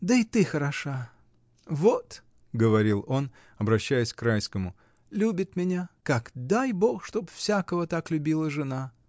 — Да и ты хороша: вот, — говорил он, обращаясь к Райскому, — любит меня, как дай Бог, чтоб всякого так любила жена.